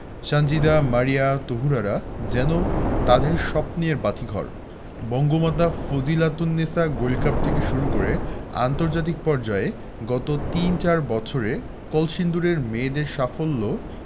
সানজিদা মারিয়া তহুরারা যেন তাদের স্বপ্নের বাতিঘর বঙ্গমাতা ফজিলাতুন্নেছা গোল্ড কাপ থেকে শুরু করে আন্তর্জাতিক পর্যায়ে গত তিন চার বছরে কলসিন্দুরের মেয়েদের সাফল্য